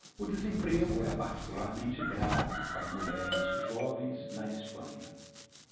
o desemprego é particularmente grave para mulheres jovens na espanha